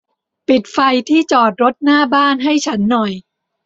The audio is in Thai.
ปิดไฟที่จอดรถหน้าบ้านให้ฉันหน่อย